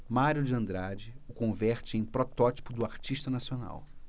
mário de andrade o converte em protótipo do artista nacional